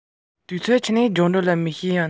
ང ལ ཞིམ ཕྲུག ཅེས འབོད